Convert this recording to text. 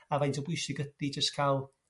A faint o bwysig ydi jys' ca'l